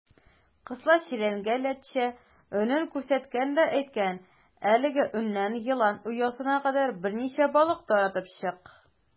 Кысла челәнгә ләтчә өнен күрсәткән дә әйткән: "Әлеге өннән елан оясына кадәр берничә балык таратып чык".